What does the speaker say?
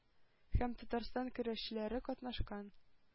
Һәм татарстан көрәшчеләре катнашкан.